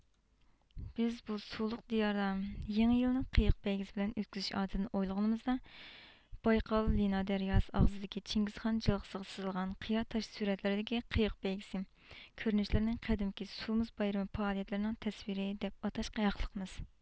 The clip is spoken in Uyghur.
بىز بۇ سۇلۇق دىياردا يېڭى يىلنى قېيىق بەيگىسى بىلەن ئۆتكۈزۈش ئادىتىنى ئويلىغىنىمىزدا بايقال لىنا دەرياسى ئاغزىدىكى چىڭگىزخان جىلغىسىغا سىزىلغان قىيا تاش سۈرەتلىرىدىكى قېيىق بەيگىسى كۆرۈنۈشلىرىنى قەدىمكى سۇ مۇز بايرىمى پائالىيەتلىرىنىڭ تەسۋىرى دەپ ئاتاشقا ھەقلىقمىز